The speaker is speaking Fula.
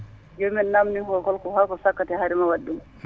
jooni min namdimi holko sakkate hade hade min wadde ɗum